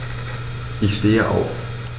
Ich stehe auf.